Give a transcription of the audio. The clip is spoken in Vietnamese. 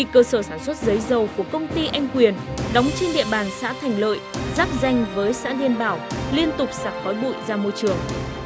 khi cơ sở sản xuất giấy dầu của công ty anh quyền đóng trên địa bàn xã thành lợi giáp ranh với xã liên bảo liên tục xả khói bụi ra môi trường